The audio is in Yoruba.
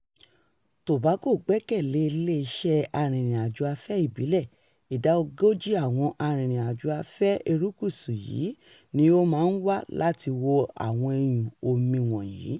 Tobago gbẹ́kẹ̀lé iléeṣẹ́ ìrìnàjò afẹ́ ìbílẹ̀; ìdá 40 àwọn arìnrìn-àjò afẹ́ erékùṣù yìí ni ó máa ń wá láti wo àwọn iyùn omi wọ̀nyí.